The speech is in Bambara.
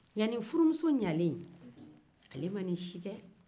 furumuso ɲalen ale ma ni si kɛ